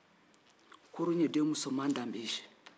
kurun ye den muso danbe ye